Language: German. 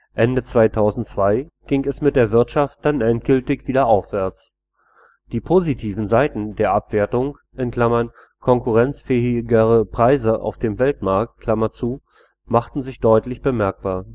Ende 2002 ging es mit der Wirtschaft dann endgültig wieder aufwärts, die positiven Seiten der Abwertung (konkurrenzfähigere Preise auf dem Weltmarkt) machten sich deutlich bemerkbar